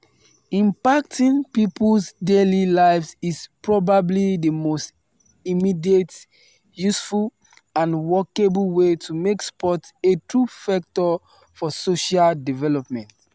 Impacting people's daily lives is probably the most immediate, useful, and workable way to make sports a true vector for social development.